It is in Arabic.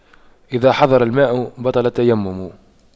إذا حضر الماء بطل التيمم